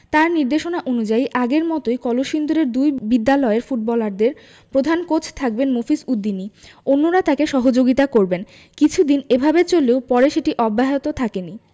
তাঁর নির্দেশনা অনুযায়ী আগের মতো কলসিন্দুরের দুই বিদ্যালয়ের ফুটবলারদের প্রধান কোচ থাকবেন মফিজ উদ্দিনই অন্যরা তাঁকে সহযোগিতা করবেন কিছুদিন এভাবে চললেও পরে সেটি অব্যাহত থাকেনি